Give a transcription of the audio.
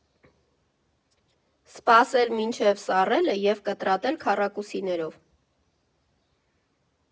Սպասել մինչև սառչելը և կտրատել քառակուսիներով։